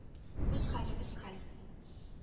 Үз хәлебез хәл.